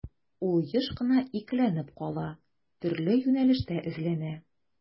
Ул еш кына икеләнеп кала, төрле юнәлештә эзләнә.